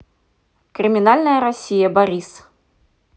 криминальная россия борис